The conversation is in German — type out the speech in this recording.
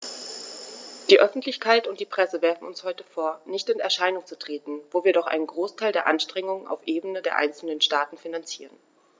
Die Öffentlichkeit und die Presse werfen uns heute vor, nicht in Erscheinung zu treten, wo wir doch einen Großteil der Anstrengungen auf Ebene der einzelnen Staaten finanzieren.